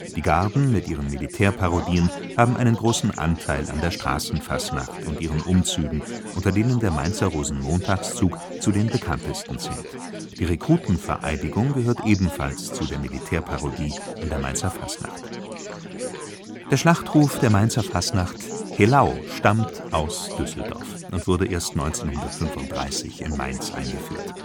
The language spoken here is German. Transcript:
Die Garden mit ihren Militärparodien haben einen großen Anteil an der Straßenfastnacht und ihren Umzügen, unter denen der Mainzer Rosenmontagszug zu den bekanntesten zählt. Die Rekrutenvereidigung gehört ebenfalls zu der Militärparodie in der Mainzer Fastnacht. Der ‚ Schlachtruf ‘der Mainzer Fastnacht, Helau, stammt aus Düsseldorf und wurde erst 1935 in Mainz eingeführt